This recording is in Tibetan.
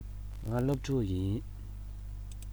ང སློབ ཕྲུག ཡིན